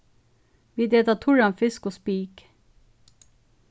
vit eta turran fisk og spik